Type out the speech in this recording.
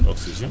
oxygène